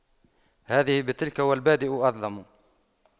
هذه بتلك والبادئ أظلم